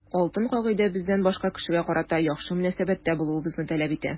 Алтын кагыйдә бездән башка кешегә карата яхшы мөнәсәбәттә булуыбызны таләп итә.